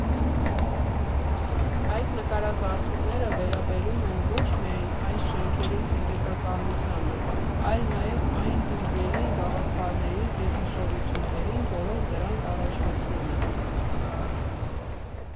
Այս նկարազարդումները վերաբերում են ոչ միայն այս շենքերի ֆիզիկականությանը, այլ նաև այն հույզերին, գաղափարներին և հիշողություններին, որոնք դրանք առաջացնում են։